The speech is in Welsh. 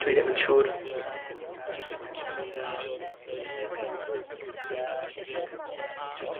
Dwi ddim yn siŵr.